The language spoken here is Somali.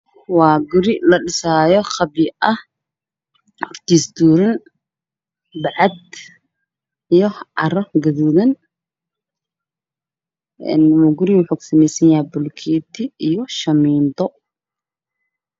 Waa guri ladhisaayo oo qabyo ah agtiisa waxaa tuuran bacaad iyo carro gaduudan, guriga waxuu kasameysan yahay bulukeeti iyo shamiito.